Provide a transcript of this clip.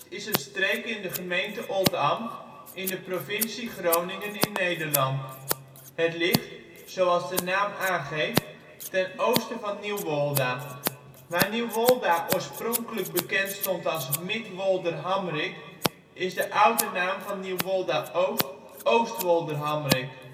is een streek in de gemeente Oldambt in de provincie Groningen (Nederland). Het ligt, zoals de naam aangeeft, ten oosten van Nieuwolda. Waar Nieuwolda oorspronkelijk bekend stond als Midwolderhamrik is de oude naam van Nieuwolda-Oost Oostwolderhamrik